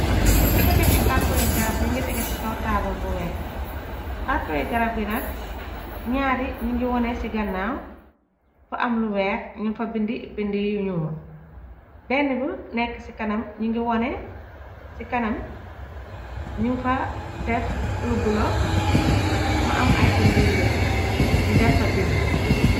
Nyettu pakkati kàrton garab ñu ngi tegu ci kaw taabal bu weex karton garab yi nak ñyaari ñu ngi wone ci gannaaw fa am lu weex ñu fa bindi bindi yu ñyuul benn bu nekk ci kanam ñi ngi wone ci kanam ñi fa def lu bulo mu am ay bindi weex ñu def fa biir.